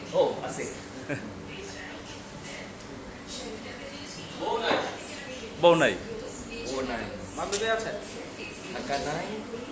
আছে বউ নাই বউ নাই বউ নাই বান্ধবী আছে টাকা নাই